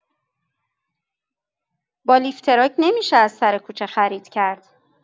با لیفتراک نمی‌شه از سر کوچه خرید کرد!